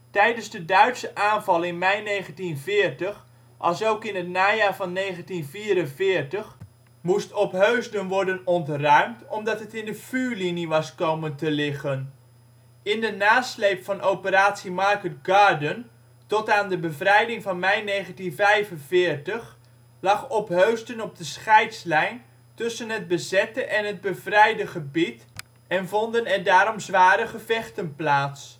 Tijdens de Duitse aanval in mei 1940 alsook in het najaar van 1944 moest Opheusden worden ontruimd omdat het in de vuurlinie was komen te liggen. In de nasleep van operatie Market Garden tot aan de bevrijding in mei 1945 lag Opheusden op de scheidslijn tussen het bezette en bevrijde gebied en vonden er daarom zware gevechten plaats